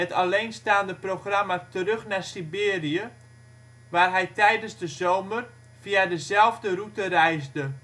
alleenstaande) programma Terug naar Siberië, waar hij tijdens de zomer via dezelfde route reisde